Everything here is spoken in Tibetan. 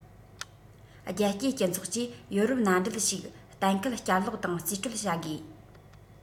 རྒྱལ སྤྱིའི སྤྱི ཚོགས ཀྱིས ཡོ རོབ མནའ འབྲེལ ཞིག གཏན འཁེལ བསྐྱར ལོག དང རྩིས སྤྲོད བྱ དགོས